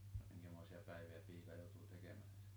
no minkämoisia päiviä piika joutui tekemään